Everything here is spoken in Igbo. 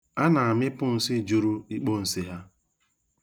A na-amipụ nsị juru ikpo nsị ha.